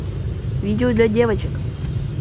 видео для девочек